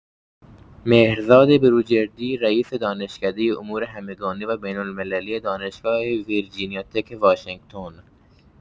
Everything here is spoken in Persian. مهرزاد بروجردی رئیس دانشکدۀ امور همگانی و بین‌المللی دانشگاه ویرجینیا تک واشنگتن